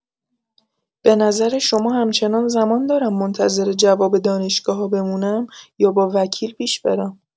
به نظر شما همچنان زمان دارم منتظر جواب دانشگاه‌‌ها بمونم یا با وکیل پیش برم؟!